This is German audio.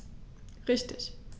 Richtig